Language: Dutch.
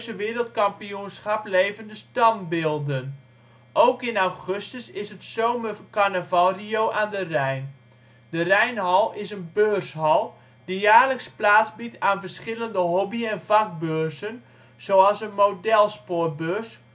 Wereldkampioenschap Levende Standbeelden. Ook in augustus is het zomercarnaval Rio aan de Rijn. De Rijnhal is een beurshal, die jaarlijks plaats biedt aan verschillende hobby - en vakbeurzen zoals een modelspoorbeurs